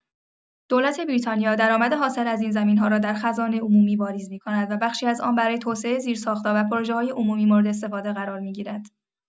دولت بریتانیا درآمد حاصل از این زمین‌ها را در خزانه عمومی واریز می‌کند و بخشی از آن برای توسعه زیرساخت‌ها و پروژه‌های عمومی مورداستفاده قرار می‌گیرد.